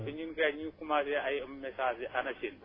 ñun kay bi ñu commencé ay message yu ANACIM